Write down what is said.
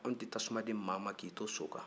anw tɛ tasuma di maa ma k'i to so kan